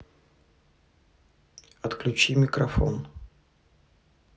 отключи микрофон